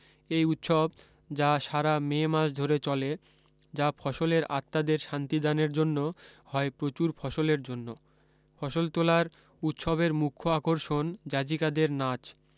এই উৎসব যা সারা মে মাস ধরে চলে যা ফসলের আত্মাদের শান্তি দানের জন্য হয় প্রচুর ফসলের জন্য ফসল তোলার উৎসবের মুখ্য আকর্ষণ যাজিকাদের নাচ